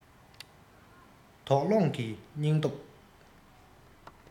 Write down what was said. དོགས སློང གི སྙིང སྟོབས